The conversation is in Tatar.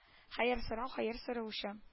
Хәер сорау хәер сораучы